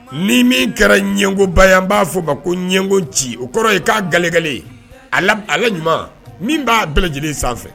Nii min kɛra ɲɛngo ba ye an b'a fɔ ma ko ɲɛngo ji o kɔrɔ ye k'a gale gale a la a la ɲuman min b'a bɛɛ lajɛlen sanfɛ